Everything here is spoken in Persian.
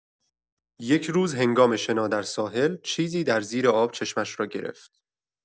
یک روز، هنگام شنا در ساحل، چیزی در زیر آب چشمش را گرفت.